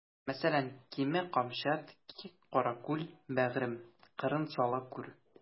Мәсәлән: Кимә камчат, ки каракүл, бәгърем, кырын сала күр.